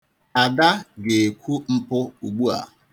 Ada ga-ekwu mpụ ugbua.